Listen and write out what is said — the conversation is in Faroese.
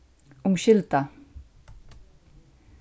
umskylda